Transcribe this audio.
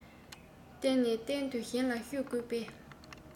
གཏན ནས གཏན དུ གཞན ལ བཤད དགོས པའི